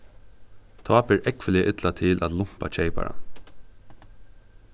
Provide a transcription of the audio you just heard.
tá ber ógvuliga illa til at lumpa keyparan